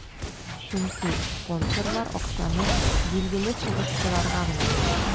Чөнки спонсорлар акчаны билгеле сугышчыларга гына бирә.